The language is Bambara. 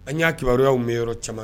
An y'a kibaruyaraw mɛnyɔrɔ yɔrɔ caman na